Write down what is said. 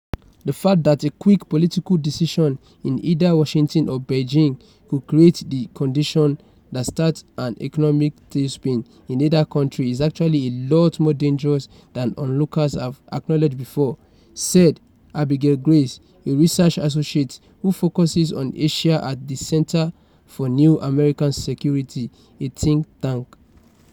"The fact that a quick political decision in either Washington or Beijing could create the conditions that start an economic tailspin in either country is actually a lot more dangerous than onlookers have acknowledged before," said Abigail Grace, a research associate who focuses on Asia at the Center for New American Security, a think tank.